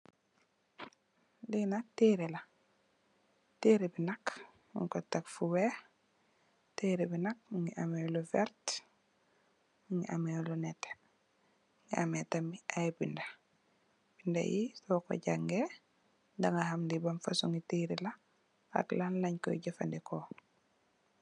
Lii nak teere la, teere bi nak ñungko tek fu weeh, teere bi nak, mungi ameh lu vert, mungi ameh lu neteh, mungi ameh tamit aye binda, binda yi soko jangee, dangaa ham lii ban fasongi teere la, ak lan lañ koy jeufandikoo.